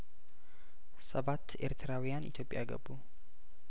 ሰባት ኤርትራውያን ኢትዮጵያ ገቡ